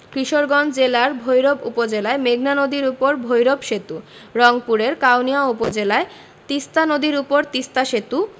কিশোরগঞ্জ জেলার ভৈরব উপজেলায় মেঘনা নদীর উপর ভৈরব সেতু রংপুরের কাউনিয়া উপজেলায় তিস্তা নদীর উপর তিস্তা সেতু